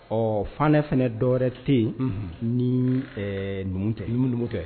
Ɔ Fane fana dɔwɛrɛ tɛ yen, unhun, ni ɛɛ numu tɛ, ni num numu tɛ